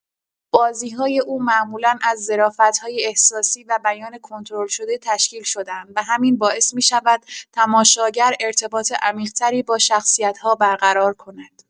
بازی‌های او معمولا از ظرافت‌های احساسی و بیان کنترل‌شده تشکیل شده‌اند و همین باعث می‌شود تماشاگر ارتباط عمیق‌تری با شخصیت‌ها برقرار کند.